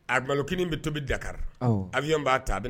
A nkalonlo kelen bɛ tobi daka abi yan b'a ta